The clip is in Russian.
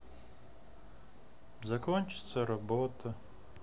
закончится работа